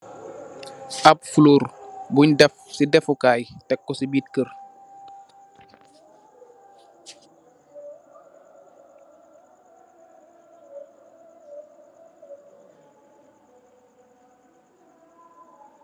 Ap fulor buñ def ci déffu Kai, tek ko ci biir kèr.